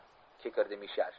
kekirdi mishash